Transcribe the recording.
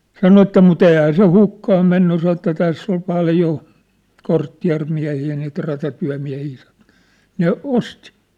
sanoi että mutta eihän se hukkaan mennyt sanoi että tässä oli paljon kortteerimiehiä niitä ratatyömiehiä sanoi ne osti